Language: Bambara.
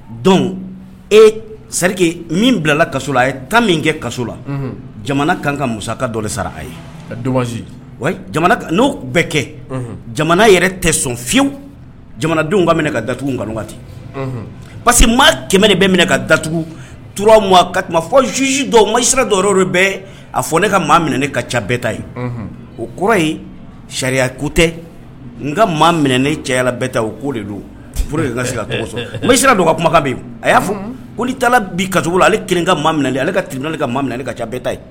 Dɔn e serike min bilala kaso a ye ta min kɛ kaso la jamana kan ka musaka dɔ de sara a ye n'o bɛɛ kɛ jamana yɛrɛ tɛ sɔn fiyewu jamanadenw ka minɛ ka datugu ŋti parce que maa kɛmɛ de bɛ minɛ ka daugu tura ma ka fɔzusi dɔ masira dɔw bɛ a fɔ ne ka maa minɛ ka ca bɛɛ ta ye o kɔrɔ yen sariya ku tɛ n ka maa minɛ ne cɛla bɛɛ ta o ko de don furu ka misi don ka kumakan bɛ a y'a fɔ ko taara bi ka ale kelen ka minɛ ale ka kili ka ma minɛ ka ca bɛɛ ta ye